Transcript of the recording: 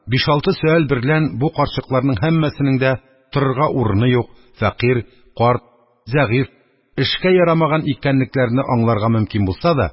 Кайсы ул авылда, кайсы бу авылда; бик һәйбәт, бик яшьфәлән дип мактадылар. Биш-алты сөаль берлән бу карчыкларның һәммәсенең дә торырга урыны юк, фәкыйрь, карт, зәгыйфь, эшкә ярамаган икәнлекләрене аңларга мөмкин булса да,